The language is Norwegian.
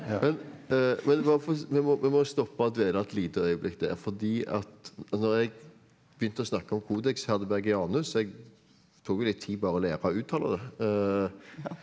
men vel bare å få vi må vi må stoppa og dvela et lite øyeblikk der fordi at når jeg begynte å snakke om Codex Hardenbergianus jeg tok jo litt tid bare å lære å uttale det ,